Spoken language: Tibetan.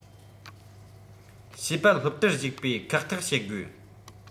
བྱིས པ སློབ གྲྭར ཞུགས པའི ཁག ཐེག བྱེད དགོས